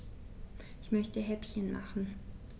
Ich möchte Häppchen machen.